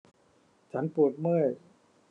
ฉันปวดเมื่อย